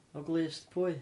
O glust pwy?